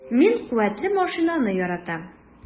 Мин куәтле машинаны яратам.